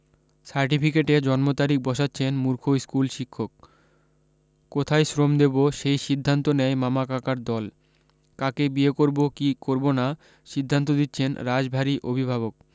সার্টিফিকেটে জন্মতারিখ বসাচ্ছেন মূর্খ স্কুল শিক্ষক কোথায় শ্রম দেব সেই সিদ্ধান্ত নেয় মামা কাকার দল কাকে বিয়ে করব কী করব না সিদ্ধান্ত দিচ্ছেন রাশভারি অভিভাবক